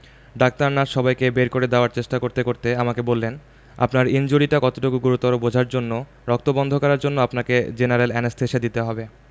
doctor nurse সবাইকে বের করার চেষ্টা করতে করতে আমাকে বললেন আপনার ইনজুরিটা কতটুকু গুরুতর বোঝার জন্যে রক্ত বন্ধ করার জন্যে আপনাকে জেনারেল অ্যানেসথেসিয়া দিতে হবে